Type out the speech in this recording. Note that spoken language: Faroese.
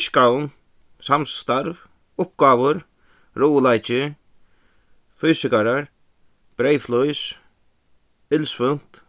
pískaðum samstarv uppgávur ruðuleiki fysikarar breyðflís illsvøvnt